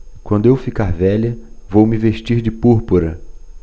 quando eu ficar velha vou me vestir de púrpura